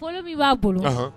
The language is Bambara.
Polo min b'a bolo, anhan